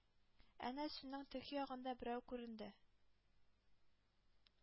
Әнә Сөннең теге ягында берәү күренде.